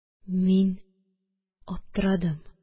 Мин аптырадым